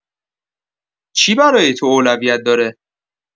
چی برای تو اولویت داره؟